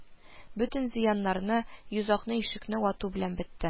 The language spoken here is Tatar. Бөтен зыяннары йозакны-ишекне вату белән бетте